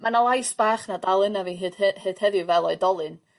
ma' 'na lais bach 'na dal ynaf fi hyd he- hyd heddiw fel oedolyn